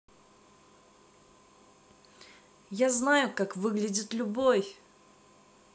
я знаю как выглядит любовь